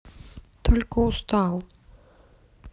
только устал